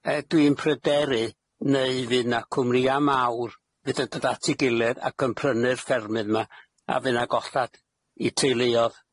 Yy dwi'n pryderu neu fydd 'na cwmnia mawr, fydd yn dod at ei gilydd ac yn prynu'r ffermydd ma', ac fy' 'na gollad i teuluodd